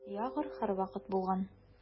Ягр һәрвакыт булган.